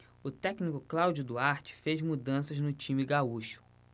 o técnico cláudio duarte fez mudanças no time gaúcho